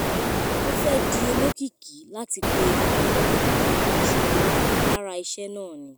Wọn fẹ di olokiki lati pe orukọ mi, ṣugbọn lara iṣẹ naa ni.